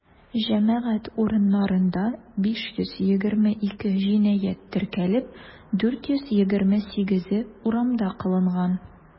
Җәмәгать урыннарында 522 җинаять теркәлеп, 428-е урамда кылынган.